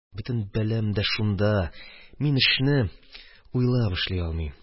Бөтен бәлам дә шунда: мин эшне уйлап эшли алмыйм.